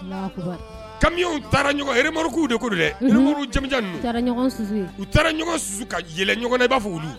Kamiw taarakuw de ko dɛ u taara susu ɲɔgɔn b'a fɔ olu